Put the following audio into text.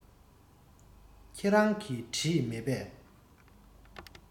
ཁྱེད རང གིས བྲིས མེད པས